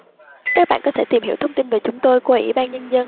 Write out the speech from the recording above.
các bạn có thể tìm hiểu thông tin về chúng tôi qua ủy ban nhân dân